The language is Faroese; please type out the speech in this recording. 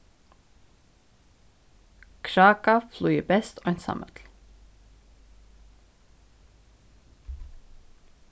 kráka flýgur best einsamøll